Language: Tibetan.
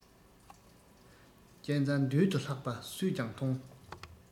རྐྱེན རྩ མདུན དུ ལྷག པ སུས ཀྱང མཐོང